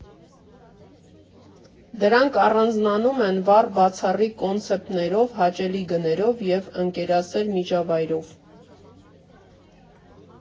Դրանք առանձնանում են վառ, բացառիկ կոնցեպտներով, հաճելի գներով և ընկերասեր միջավայրով։